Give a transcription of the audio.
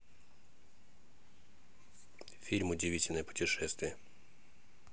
фильм удивительное путешествие